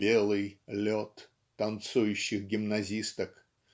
"белый лет" танцующих гимназисток